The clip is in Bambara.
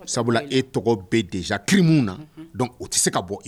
Sabula e tɔgɔ bɛ yen déjà kiiri minnu na. Unhun. Donc o tɛ se ka bɔ